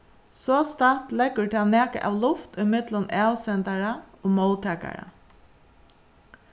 sostatt leggur tað nakað av luft millum avsendara og móttakara